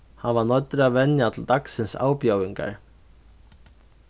hann var noyddur at venja til dagsins avbjóðingar